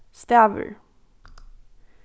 stavir